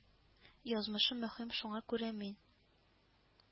Язмышы мөһим, шуңа күрә мин